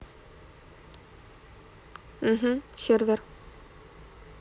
угу сервер